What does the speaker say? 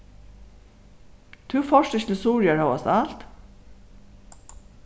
tú fórt ikki til suðuroyar hóast alt